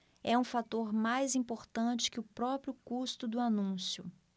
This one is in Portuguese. é um fator mais importante que o próprio custo do anúncio